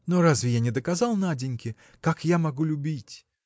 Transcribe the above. Но разве я не доказал Наденьке, как я могу любить?